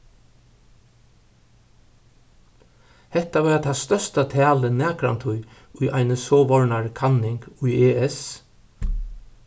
hetta var tað størsta talið nakrantíð í eini sovorðnari kanning í es